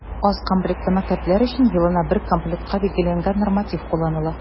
Аз комплектлы мәктәпләр өчен елына бер комплектка билгеләнгән норматив кулланыла.